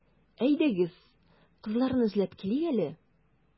Әйдәгез, кызларны эзләп килик әле.